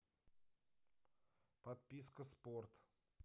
подписка спорт